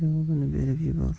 javobini berib yubor